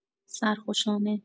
سرخوشانه